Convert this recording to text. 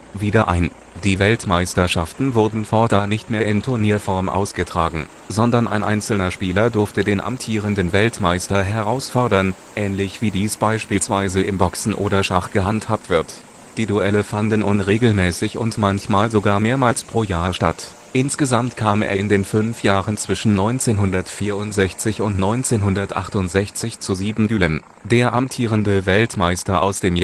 wieder ein. Die Weltmeisterschaften wurden fortan nicht mehr in Turnierform ausgetragen, sondern ein einzelner Spieler durfte den amtierenden Weltmeister herausfordern; ähnlich wie dies beispielsweise im Boxen oder Schach gehandhabt wird. Die Duelle fanden unregelmäßig und manchmal sogar mehrmals pro Jahr statt. Insgesamt kam es in den fünf Jahren zwischen 1964 und 1968 zu sieben Duellen. Der amtierende Weltmeister aus dem